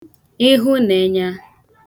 ịhụnẹ̀ẹnya